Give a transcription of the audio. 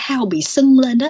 đau bị sưng lên